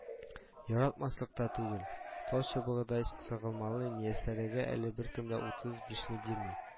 Яратмаслык та түгел, тал чыбыгыдай Мияссәрәгә әле беркем дә утыз бишне бирми